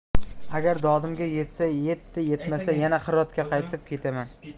agar dodimga yetsa yetdi yetmasa yana hirotga qaytib keturmen